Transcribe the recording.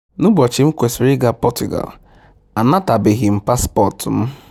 N'ụbọchị m kwesịrị ịga Portugal, anatabeghị m paspọtụ m.